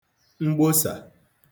mgbosà